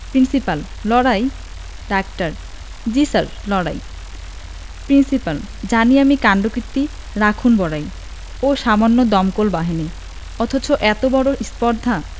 principal লড়াই ডাক্তার জ্বী স্যার লড়াই প্রিন্সিপাল জানি আমি কাণ্ডকীর্তি রাখুন বড়াই ওহ্ সামান্য দমকল বাহিনী অথচ এত বড় স্পর্ধা